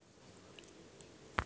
смотреть фильм день независимости